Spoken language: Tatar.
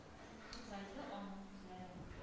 Сукырайды аның күзләре.